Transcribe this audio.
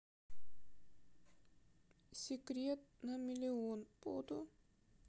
секрет на миллион подо